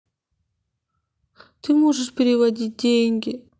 ты можешь переводить деньги